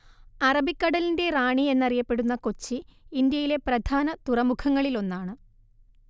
അറബിക്കടലിന്റെ റാണി എന്നറിയപ്പെടുന്ന കൊച്ചി ഇന്ത്യയിലെ പ്രധാന തുറമുഖങ്ങളിലൊന്നാണ്